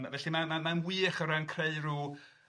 Yym felly ma'n ma'n ma'n wych o ran creu rw yym.